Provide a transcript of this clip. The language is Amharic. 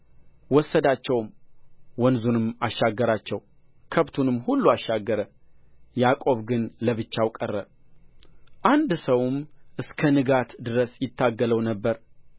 ወሰዳቸውም ወንዙንም አሻገራቸው ከብቱንም ሁሉ አሻገረ ያዕቆብ ግን ለብቻው ቀረ አንድ ሰውም እስከ ንጋት ድረስ ይታገለው ነበር